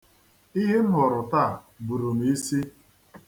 Ihe m hụrụ taa buru m isi.